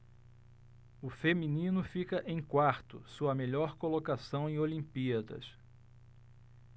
o feminino fica em quarto sua melhor colocação em olimpíadas